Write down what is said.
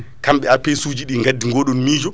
kamɓe APS suji ɗi gaddi goɗon miijo